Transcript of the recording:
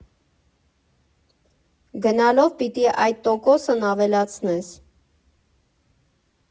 Գնալով պիտի այդ տոկոսն ավելացնես։